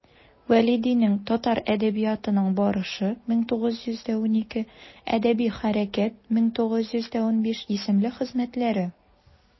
Вәлидинең «Татар әдәбиятының барышы» (1912), «Әдәби хәрәкәт» (1915) исемле хезмәтләре.